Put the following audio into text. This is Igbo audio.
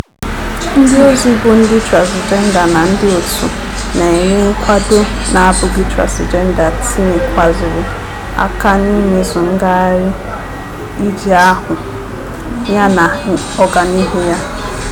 Ndị ọzọ bụ ndị transịjenda na ndị òtù na-enye nkwado na-abụghị transịjenda tinyekwazịrị aka n'imezu ngagharị ije ahụ yana ọganihu ya.